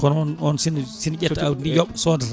kono on on sene sene ƴetta awdi ndi yoobsodata